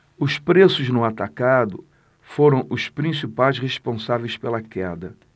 os preços no atacado foram os principais responsáveis pela queda